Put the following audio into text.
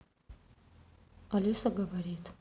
алиса говорит